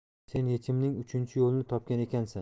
sen yechimning uchinchi yo'lini topgan ekansan